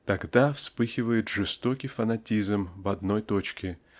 -- тогда вспыхивает жестокий фанатизм в одной точке